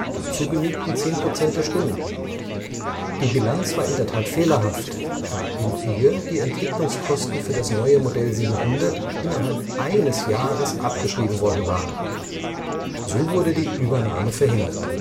Dazu genügten 10 Prozent der Stimmen. Die Bilanz war in der Tat fehlerhaft, da in ihr die Entwicklungskosten für das neue Modell 700 innerhalb eines Jahres abgeschrieben worden waren. So wurde die Übernahme verhindert